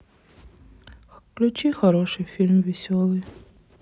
включи хороший фильм веселый